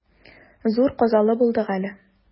Зур казалы булдык әле.